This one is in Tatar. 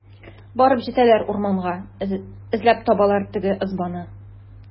Барып җитәләр урманга, эзләп табалар теге ызбаны.